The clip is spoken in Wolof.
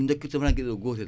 bateau le Djola